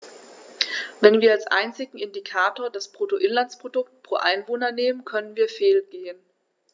Wenn wir als einzigen Indikator das Bruttoinlandsprodukt pro Einwohner nehmen, können wir fehlgehen.